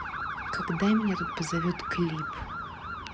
когда меня тут позовет клип